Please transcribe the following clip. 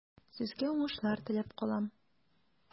Сезгә уңышлар теләп калам.